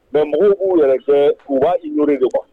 Mɛ mugu b'u yɛrɛ kɛ u waatij don kuwa